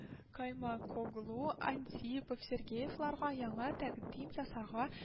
Каймакоглу, Антипов, Сергеевларга яңа тәкъдим ясарга